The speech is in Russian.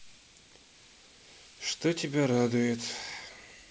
что тебя радует